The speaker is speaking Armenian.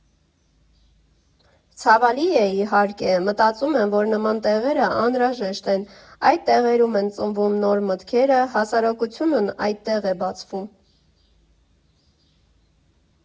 Ցավալի է, իհարկե, մտածում եմ, որ նման տեղերը անհրաժեշտ են, այդ տեղերում են ծնվում նոր մտքերը, հասարակությունն այդտեղ է բացվում։